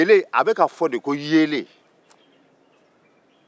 a bɛka fo de ko yeelen